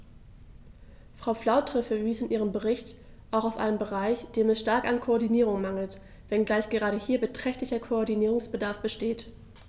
Frau Flautre verwies in ihrem Bericht auch auf einen Bereich, dem es stark an Koordinierung mangelt, wenngleich gerade hier beträchtlicher Koordinierungsbedarf besteht.